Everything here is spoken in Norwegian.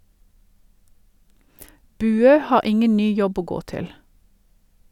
Buø har ingen ny jobb å gå til.